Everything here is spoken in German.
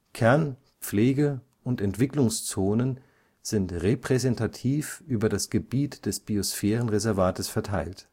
Kern -, Pflege - und Entwicklungszonen sind repräsentativ über das Gebiet des Biosphärenreservates verteilt